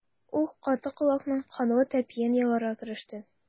Ул каты колакның канлы тәпиен яларга кереште.